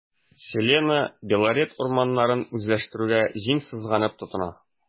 “селена” белорет урманнарын үзләштерүгә җиң сызганып тотына.